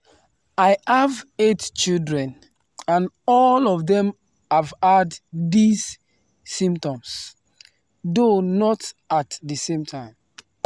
“I have eight children, and all of them have had these symptoms, though not at the same time.”